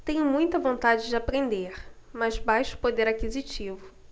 tenho muita vontade de aprender mas baixo poder aquisitivo